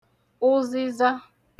ụzịza